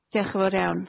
Diolch yn fowr iawn.